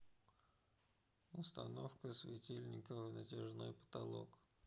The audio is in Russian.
установка светильника в натяжной потолок